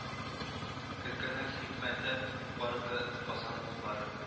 Көлкенең хикмәте бардыр казан утлары